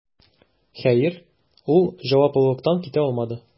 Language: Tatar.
Хәер, ул җаваплылыктан китә алмады: